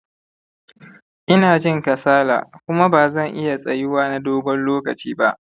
ina jin kasala kuma ba zan iya tsayuwa na dogon lokaci ba